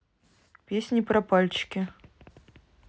песни про пальчики